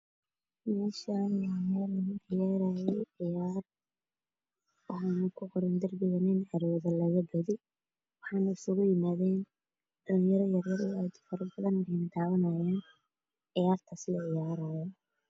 Waxa ay muuqda wiil banooni ciyaarayo wato fanaanad buluug cadaan waxaa ka dambeeya wiilal dirri ayaa ka dambeeyo oo wax ku sawiran yihiin